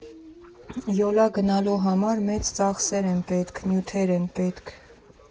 Յոլա գնալու համար մեծ ծախսեր են պետք, նյութեր են պետք։